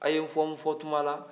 a' ye n fɔ n fɔ tuma la